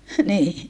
niin